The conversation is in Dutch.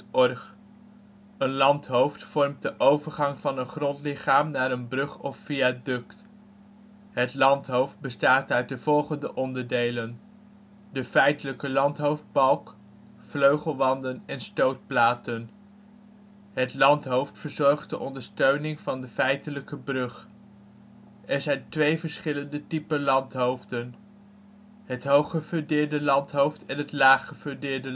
vormt de overgang van een grondlichaam naar een brug of een viaduct. Het landhoofd bestaat uit de volgende onderdelen: de feitelijke landhoofdbalk, vleugelwanden en stootplaten. Het landhoofd verzorgt de ondersteuning van de feitelijke brug. Er zijn twee verschillende typen landhoofden. Het hoog gefundeerde landhoofd en het laag gefundeerde landhoofd